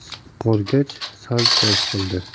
sipqorgach sal kayf qildi